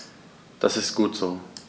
Das ist gut so.